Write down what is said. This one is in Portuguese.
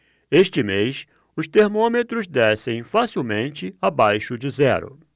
este mês os termômetros descem facilmente abaixo de zero